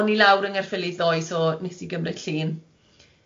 o'n i lawr yng ngherffyli ddoe so nes i gymryd llun